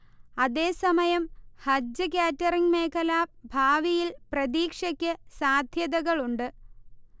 അതേസമയം ഹജജ് കാറ്ററിംഗ് മേഖല ഭാവിയിൽ പ്രതീക്ഷക്ക് സാധൃതകളുണ്ട്